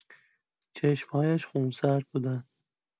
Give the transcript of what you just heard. چشم‌هایش خونسرد بودند.